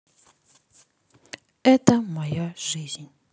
это моя жизнь